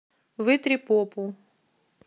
вытри попу